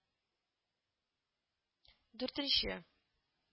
Дүртенче